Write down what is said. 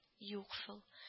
- юк шул